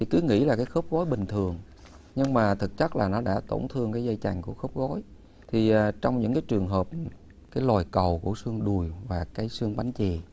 thì cứ nghĩ là cái khớp gối bình thường nhưng mà thực chất là nó đã tổn thương cái dây chằng của khớp gối thì trong những cái trường hợp cái loại cầu cổ xương đùi và cái xương bánh chè